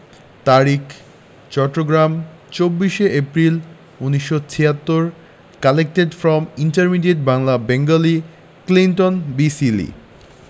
তারিখ চট্টগ্রাম ২৪শে April ১৯৭৬ collected from intermediate Bangla Bengali Clinton B Seely